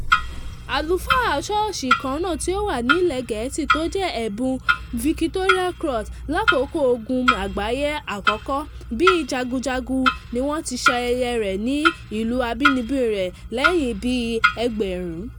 Àlùfáà Sọ́ọ̀sì kannáà tí ó wà ní ilẹ̀ Gẹ́ẹ̀sí tó jẹ ẹ̀bún Victoria Cross lákòókò Ogun Àgbáyé Àkọ́kọ́ bí jagunjagun ni wọn ti ṣayẹyẹ rẹ̀ ní ilú abínibí rẹ́ lẹ́yín bí 100.